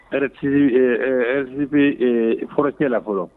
R S I ɛɛ RG B ɛɛ forestier la fɔlɔ